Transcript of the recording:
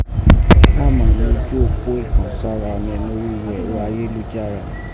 Amá noju opo ikansara ọnẹ norígho ẹrọ ayelujara.